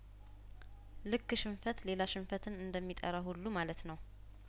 ልክ ሽንፈት ሌላ ሽንፈትን እንደሚጠራ ሁሉ ማለት ነው